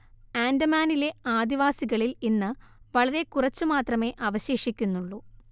ആൻഡമാനിലെ ആദിവാസികളിൽ ഇന്ന് വളരെക്കുറച്ചുമാത്രമേ അവശേഷിക്കുന്നുള്ളൂ